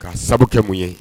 K' sababu kɛ mun ye